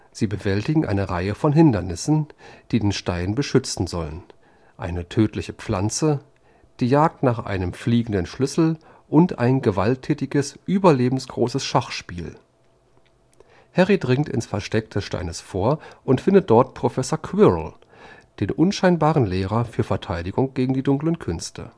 Sie bewältigen eine Reihe von Hindernissen, die den Stein beschützen sollen: eine tödliche Pflanze, die Jagd nach einem fliegenden Schlüssel und ein gewalttätiges, überlebensgroßes Schachspiel. Harry dringt ins Versteck des Steines vor und findet dort Professor Quirrell, den unscheinbaren Lehrer für Verteidigung gegen die Dunklen Künste